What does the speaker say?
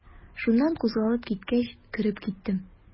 Шуннан кузгалып киткәч, кереп киттем.